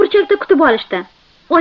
burchakda kutib olishdi